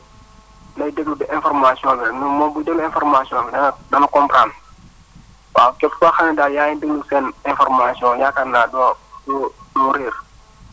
nay déglu di information bi rek moom buy déglu information bi rek dana dana comprendre waaw képp koo xam ne daal yaa ngi déglu seen informations yakaar naa doo doo doo réer